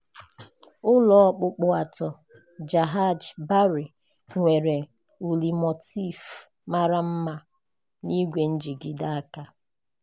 Ụlọ okpukpu atọ "Jahaj Bari" nwere uli motiifu mara mma n'ígwè njigide aka.